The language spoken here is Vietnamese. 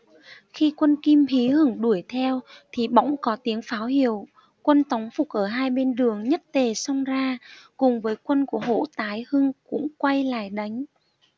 khi quân kim hí hửng đuổi theo thì bỗng có tiếng pháo hiệu quân tống phục ở hai bên đường nhất tề xông ra cùng với quân của hỗ tái hưng cũng quay lại đánh